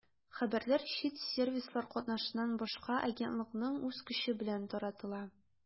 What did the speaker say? Хәбәрләр чит сервислар катнашыннан башка агентлыкның үз көче белән таратыла.